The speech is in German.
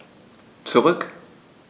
Zurück.